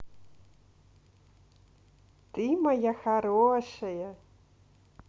ты моя хорошая